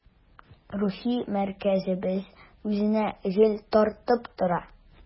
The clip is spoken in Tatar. Рухи мәркәзебез үзенә гел тартып тора.